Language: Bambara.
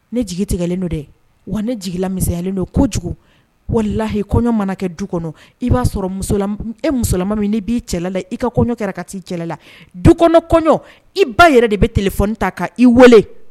Ne jigi tigɛlen don dɛ wa ne jigila miyalen don kojugu wala lahi kɔɲɔ mana kɛ du kɔnɔ i b'a sɔrɔ e musola min ne b'i cɛlala i ka kɔɲɔ kɛra ka taai cɛlala du kɔnɔ kɔɲɔ i ba yɛrɛ de bɛ t fɔ ta' i weele